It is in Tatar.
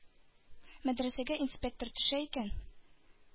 Мәдрәсәгә инспектор төшә икән,